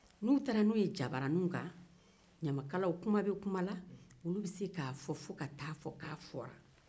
kuma be kuma la ɲamakalaw bɛ se k'a fɔ fo ka se a dan na